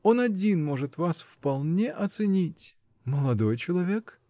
Он один может вас вполне оценить. -- Молодой человек?